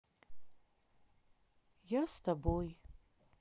я с тобой